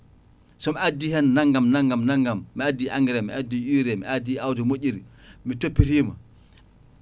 somi addi hen nagam nagam nagam mi addi engrais mi addi URE mi addiawdi moƴƴi mi toppitima